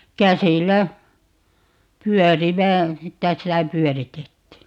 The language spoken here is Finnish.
käsillä pyörivä käsillä pyöritettiin